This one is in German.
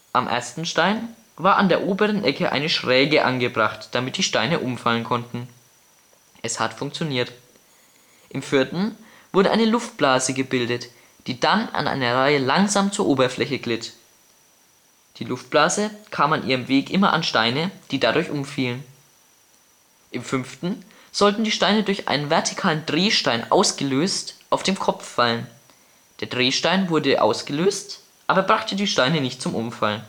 am ersten Stein war an der oberen Ecke eine Schräge angebracht damit die Steine umfallen konnten. Es hat funktioniert. Im vierten wurde eine Luftblase gebildet die dann an einer Reihe langsam zur Oberfläche glitt. die Luftblase kam an ihrem Weg immer an Steine, die dadurch umfielen. Im fünften sollten die Steine durch einen vertikalen Drehstein ausgelöst auf dem Kopf fallen. Der Drehstein wurde ausgelöst aber er brachte die Steine nicht zum umfallen